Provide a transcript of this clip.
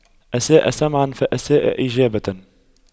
أساء سمعاً فأساء إجابة